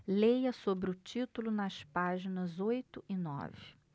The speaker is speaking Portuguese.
leia sobre o título nas páginas oito e nove